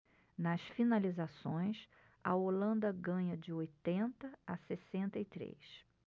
nas finalizações a holanda ganha de oitenta a sessenta e três